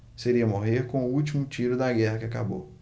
seria morrer com o último tiro da guerra que acabou